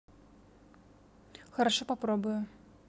хорошо попробую